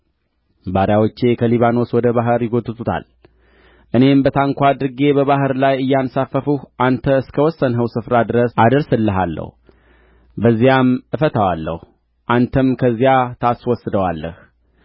ባሪያዎቼ ከሊባኖስ ወደ ባሕር ይጐትቱታል እኔም በታንኳ አድርጌ በባሕር ላይ እያንሳፈፍሁ አንተ እስከ ወሰንኸው ስፍራ ድረስ አደርስልሃለሁ በዚያም እፈታዋለሁ አንተም ከዚያ ታስወስደዋለህ